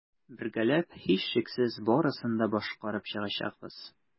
Бергәләп, һичшиксез, барысын да башкарып чыгачакбыз.